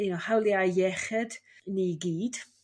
you know hawliau iechyd ni gyd